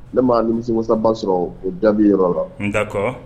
Ne ma nimIsiwasa ba sɔrɔ o dabi yɔrɔ la. N d'accord .